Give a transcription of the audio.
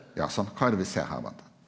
ja sant kva er det vi ser her Bente?